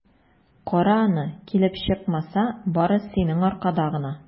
Кара аны, килеп чыкмаса, бары синең аркада гына!